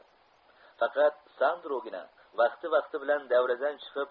faqat sandrogina vaqti vaqti bilan davradan chiqib